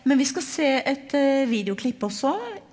men vi skal se et videoklipp også.